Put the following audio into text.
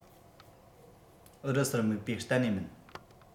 ཨུ རུ སུར དམིགས པའི གཏན ནས མིན